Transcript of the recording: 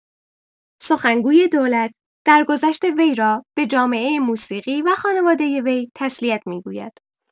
سخنگوی دولت درگذشت وی را به جامعه موسیقی و خانوادۀ وی تسلیت می‌گوید.